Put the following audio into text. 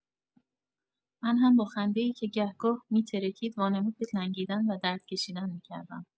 من هم با خنده‌ای که گه‌گاه می‌ترکید وانمود به لنگیدن و درد کشیدن می‌کردم.